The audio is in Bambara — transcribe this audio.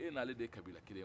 e n'ale de ye kabila kelen ye